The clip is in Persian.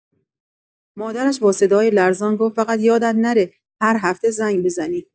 مادرش با صدای لرزان گفت: «فقط یادت نره هر هفته زنگ بزنی.»